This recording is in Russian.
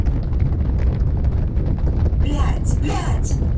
блять блять